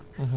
voilà